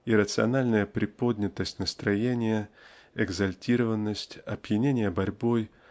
иррациональная "приподнятость настроения" экзальтированность опьянение борьбой